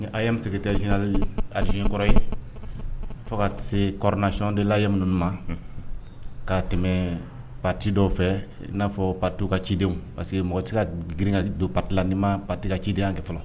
A ye masakɛ tɛ zinali az kɔrɔ ye fo ka se ktiɔn delayi minnu ma k'a tɛmɛ pati dɔw fɛ n'a fɔ patu ka cidenw pa parce que mɔgɔ tɛ ka grinka don patila ni ma pati cidenya kɛ fɔlɔ